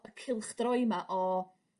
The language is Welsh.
y cylchdroe 'ma o